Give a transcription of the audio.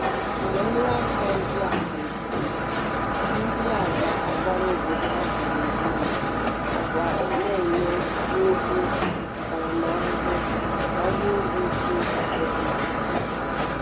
Mgbe nruaka ndị a malitere, ndịagha gbara obodo ahụ gburugburu nakwa na-enye nnukwu ntaramahụhụ maka ihe iyi egwu ọbụla.